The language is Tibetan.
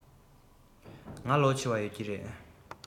ང ལོ ཆེ བ ཡོད ཀྱི རེད